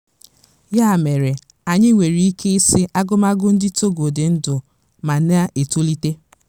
Ya mere, anyị nwere ike ịsị agụmagụ ndị Togo dị ndụ ma na-etolite.